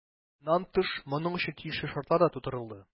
Моннан тыш, моның өчен тиешле шартлар да тудырылды.